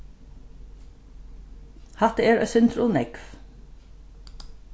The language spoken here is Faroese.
hatta er eitt sindur ov nógv